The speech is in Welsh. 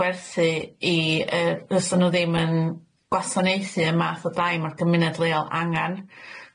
gwerthu i yy fysa nw ddim yn gwasanaethu y math o dai ma'r gymuned leol angan.